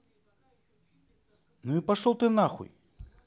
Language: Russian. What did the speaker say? ну и пошел ты нахуй